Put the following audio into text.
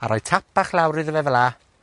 A rhoi tap bach lawr iddo fe fela.